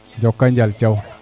jokonjal Thiaw